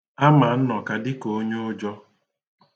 A ma Nnọka dị ka onyeụjọ.